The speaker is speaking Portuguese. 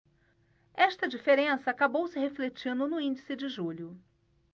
esta diferença acabou se refletindo no índice de julho